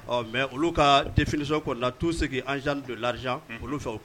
Ɔ mɛ olu ka defso kɔnɔnana tun sigi anz don laz olu fɛw